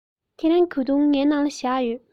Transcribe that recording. ཁྱེད རང གི གོས ཐུང ངའི ནང ལ བཞག ཡོད